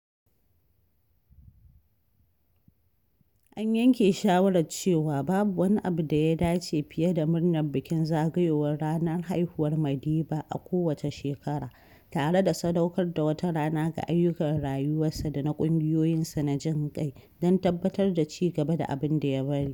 An yanke shawarar cewa babu wani abu da ya dace fiye da murnar bikin zagayowar ranar haihuwar Madiba a kowacce shekara, tare da sadaukar da wata rana ga ayyukan rayuwarsa da na ƙungiyoyinsa na jin ƙai, don tabbatar da ci gaba da abinda ya bari.